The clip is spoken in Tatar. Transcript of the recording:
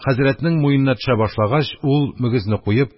Хәзрәтнең муенына төшә башлагач, ул, мөгезне куеп,